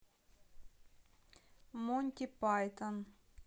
монти пайтон